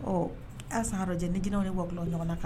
Ɔ aa saga lajɛ ni ginw ye b bɔ bila ɲɔgɔn kan